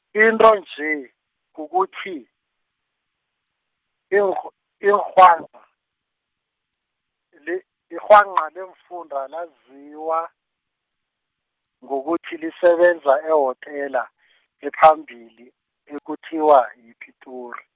into nje, kukuthi, inrhwa- irhwanda, le- irhwanqa leemfunda laziwa, ngokuthi lisebenza ehotela , ephambili, ekuthiwa yiPitori.